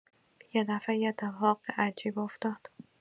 یه دفعه، یه اتفاق عجیب افتاد.